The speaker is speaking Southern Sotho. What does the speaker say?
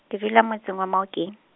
ke dula motseng wa Maokeng.